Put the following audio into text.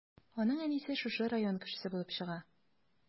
Аның әнисе шушы район кешесе булып чыга.